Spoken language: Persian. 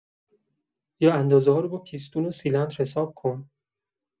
یا اندازه‌ها رو با پیستون و سیلندر حساب کن؟